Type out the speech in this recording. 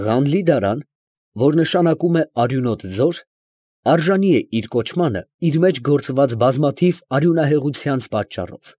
Ղանլի֊Դարան, որ նշանակում է արյունոտ ձոր, արժանի է իր կոչմանը իր մեջ գործված բազմաթիվ արյունահեղությանց պատճառով։